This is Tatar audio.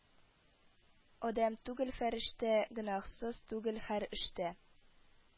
Адәм түгел фәрештә - гөнаһсыз түгел һәр эштә